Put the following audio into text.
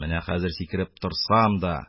Менә хәзер сикереп торсам да,